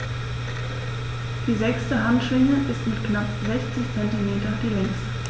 Die sechste Handschwinge ist mit knapp 60 cm die längste.